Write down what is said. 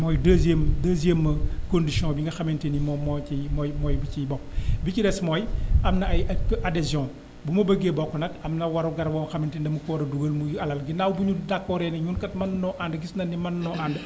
mooy deuxième deuxième condition bi nga xamante ni moom mooy mooy mooy bi ciy bokk bi ci des mooy am na ay acte adhesion bu ma bëggee bokk nag am na warugar boo xamante ni dama ko war a dugal muy alal ginnaaw bi ñu d' accord ree ne ñun kat mën nañoo ànd gis nañu ne mën nañoo ànd